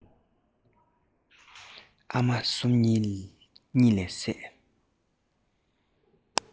ཨ མ གསུམ གཉིད ལས སད